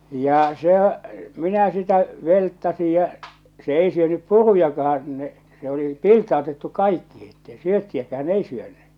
ja sehän minä sitä velttasin ja se ei syönyt purujakaan no se oli pilttautettu kaikkiin että ei syöttiäkään ei syönyt joo